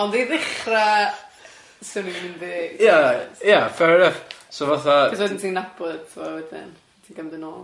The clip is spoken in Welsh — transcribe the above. Ond i ddechra, 'swn i'n mynd i... Ia ia fair enough so fatha... Cos wedyn ti'n nabod fo wedyn, ti'n ca'l mynd yn ôl.